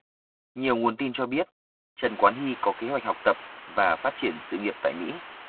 nhiều nguồn tin cho biết trần quán hy có kế hoạch học tập và phát triển sự nghiệp tại mỹ